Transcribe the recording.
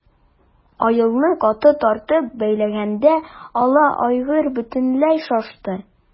Аелны каты тартып бәйләгәндә ала айгыр бөтенләй шашты.